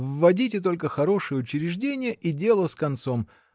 вводите только хорошие учреждения -- и дело с концом.